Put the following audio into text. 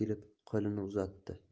yurib kelib qo'lini uzatdi